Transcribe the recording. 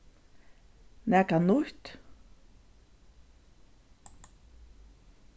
nakað nýtt